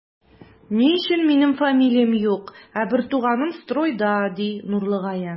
Ни өчен минем фамилиям юк, ә бертуганым стройда, ди Нурлыгаян.